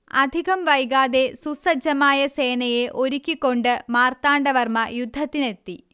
അധികം വൈകാതെ സുസജ്ജമായ സേനയെ ഒരുക്കിക്കൊണ്ട് മാർത്താണ്ടവർമ്മ യുദ്ധത്തിനെത്തി